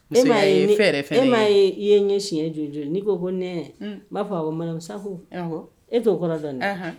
Nea ye m ye i ye ɲɛ si jo' ko ko ne b'a fɔ a ko mamasasa ko e t'o kɔrɔ dɔn